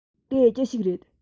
དེ ཅི ཞིག རེད